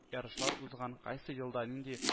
Ярышлар узган, кайсы елда нинди